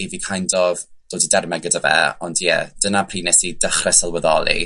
i fi kind of dod i derme gyda fe ond ie, dyna pryd 'nes i dechre sylweddoli